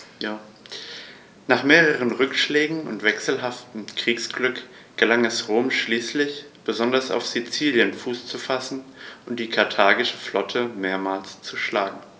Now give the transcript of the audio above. Nach mehreren Rückschlägen und wechselhaftem Kriegsglück gelang es Rom schließlich, besonders auf Sizilien Fuß zu fassen und die karthagische Flotte mehrmals zu schlagen.